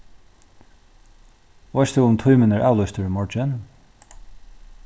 veitst tú um tímin er avlýstur í morgin